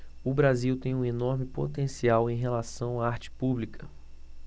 o brasil tem um enorme potencial em relação à arte pública